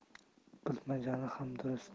bilmagani ham durust